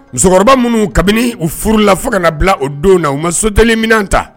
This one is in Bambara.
Musokɔrɔba minnu kabini u furula don fo ka na bila o don na u ma soteliminɛn ta